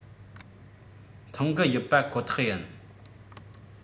མཐོང གི ཡོད པ ཁོ ཐག ཡིན